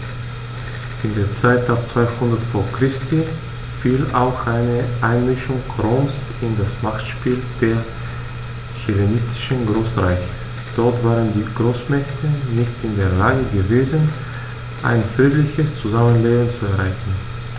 In die Zeit ab 200 v. Chr. fiel auch die Einmischung Roms in das Machtspiel der hellenistischen Großreiche: Dort waren die Großmächte nicht in der Lage gewesen, ein friedliches Zusammenleben zu erreichen.